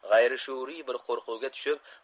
g'ayrishuuriy bir qo'rquvga tushib